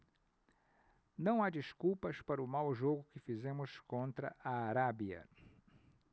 não há desculpas para o mau jogo que fizemos contra a arábia